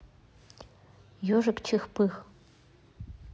ежик чих пых